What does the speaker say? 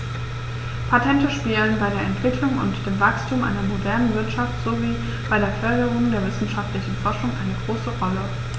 Patente spielen bei der Entwicklung und dem Wachstum einer modernen Wirtschaft sowie bei der Förderung der wissenschaftlichen Forschung eine große Rolle.